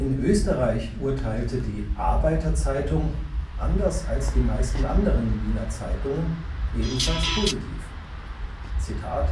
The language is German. In Österreich urteilte die Arbeiter-Zeitung, anders als die meisten anderen Wiener Zeitungen, ebenfalls positiv: „‚ Der